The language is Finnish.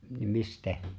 niin mistä